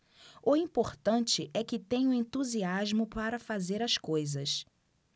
o importante é que tenho entusiasmo para fazer as coisas